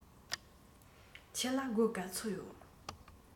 ཁྱེད ལ སྒོར ག ཚོད ཡོད